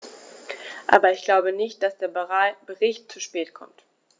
Aber ich glaube nicht, dass der Bericht zu spät kommt.